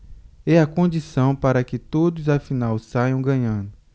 é a condição para que todos afinal saiam ganhando